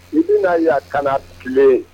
I bɛna na yala kana tile